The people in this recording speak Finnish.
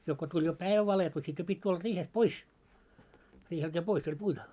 jo kun tuli jo päivä valkeni sitten jo piti tulla riihestä pois riiheltä jo pois oli -